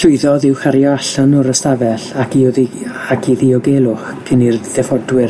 Llwyddodd i'w chario allan o'r ystafell ac i oddi- ac i ddiogelwch cyn i'r ddiffodwyr